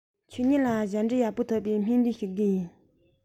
ངས ཁྱེད གཉིས ལ སྦྱངས འབྲས ཡག པོ ཐོབ པའི སྨོན འདུན ཞུ གི ཡིན